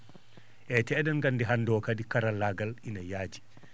eeyi te e?en nganndi hannde o kadi karallaagal ina yaaji